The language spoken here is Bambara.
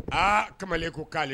Aa kamalen ko k'ale